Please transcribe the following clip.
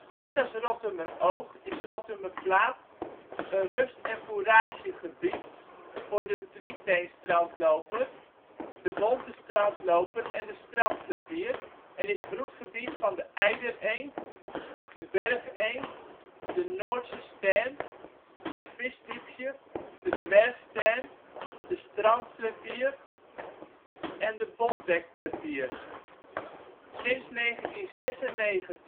Net als Rottumeroog is Rottumerplaat een rust - en foerageergebied voor de drieteenstrandloper, de bonte strandloper en de strandplevier, en is broedgebied van de eidereend, de bergeend, de Noordse stern, het visdiefje, de dwergstern, de strandplevier en de bontbekplevier. Sinds 1996 heeft de